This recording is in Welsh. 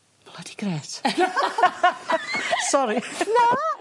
Blydi grêt sori! Na!